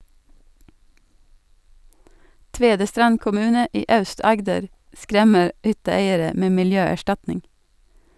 Tvedestrand kommune i Aust-Agder "skremmer" hytteeiere med miljøerstatning.